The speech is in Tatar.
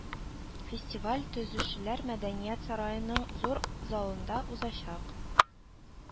Фестиваль Төзүчеләр мәдәният сараеның зур залында узачак